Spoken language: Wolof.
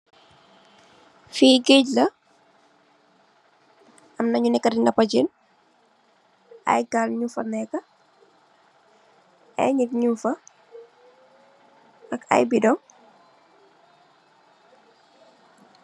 Fi geegla am nu neka di napa jeen ayi gaal nufah neka ak ayi bidoon.